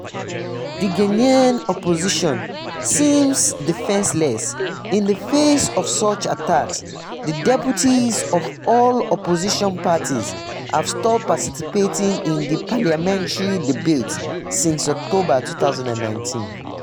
The Guinean opposition seems defenseless in the face of such attacks: the deputies of all opposition parties have stopped participating in parliamentary debates since October 11, 2019.